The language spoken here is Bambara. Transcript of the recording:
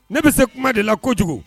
Ne bɛ se kuma de la kojugu